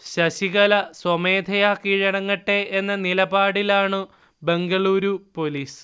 ശശികല സ്വമേധയാ കീഴടങ്ങട്ടെ എന്ന നിലപാടിലാണു ബംഗളൂരു പൊലീസ്